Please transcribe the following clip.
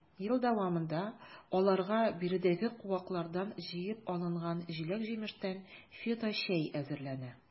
Ел дәвамында аларга биредәге куаклардан җыеп алынган җиләк-җимештән фиточәй әзерләнә.